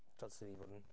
Dylsen i fod yn...